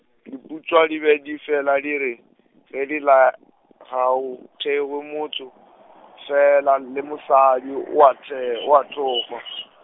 Diputswa di be di fela di re, ge di laya ga o thekgwe motse fela le mosadi o a te-, o a thokgwa.